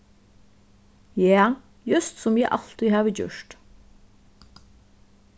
ja júst sum eg altíð havi gjørt